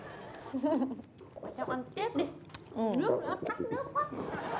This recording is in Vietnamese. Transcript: vào trong ăn tiếp đi nước nữa khát nước quá